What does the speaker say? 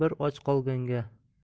bir och qolganga